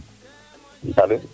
alo